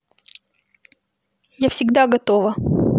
я всегда готова